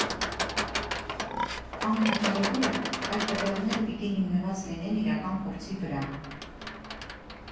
Ամենակարևորը՝ այդ տվյալները պիտի հիմնված լինեն իրական փորձի վրա։